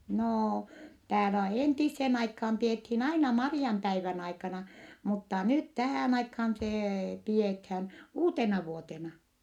no täällä entiseen aikaan pidettiin aina Marianpäivän aikana mutta nyt tähän aikaan se pidetään uutenavuotena